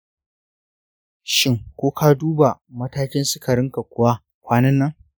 shin ko ka duba matakin sukarinka kuwa kwanakin nan?